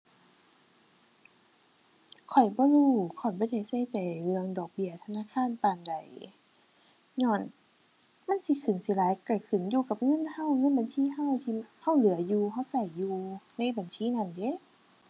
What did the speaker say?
ข้อยบ่รู้ ข้อยบ่ได้ใส่ใจเรื่องดอกเบี้ยธนาคารปานใด ญ้อนมันสิขึ้นสิหลายก็ขึ้นอยู่กับเงินก็ เงินบัญชีก็ ที่ก็เหลืออยู่ ก็ก็อยู่ในบัญชีนั้นเด้